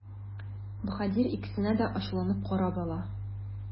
Баһадир икесенә дә ачулы карап ала.